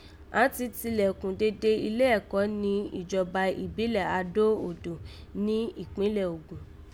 Àán ti tilẹ̀ kùn dede ilé ẹ̀kọ́ ní ìjọba ìbílẹ̀ Àdó odò ní ìkpínlẹ̀ Ògùn